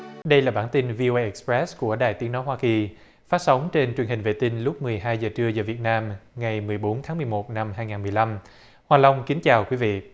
đây là bản tin vi âu ây ích pờ rét của đài tiếng nói hoa kỳ phát sóng trên truyền hình vệ tinh lúc mười hai giờ trưa giờ việt nam ngày mười bốn tháng mười một năm hai ngàn mười lăm hoa long kính chào quý vị